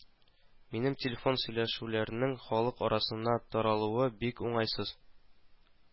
Минем телефон сөйләшүләрнең халык арасына таралуы бик уңайсыз